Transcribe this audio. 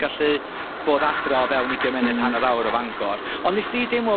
gallu bod adra o fewn ugain munud hanner awr o Fangor ond nesdi deimlo